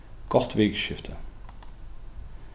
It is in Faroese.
gott vikuskifti